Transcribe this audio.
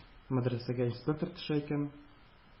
Мәдрәсәгә инспектор төшә икән,